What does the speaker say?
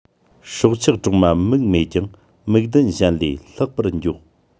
སྲོག ཆགས གྲོག མ མིག མེད ཀྱང མིག ལྡན གཞན ལས ལྷག པར མགྱོགས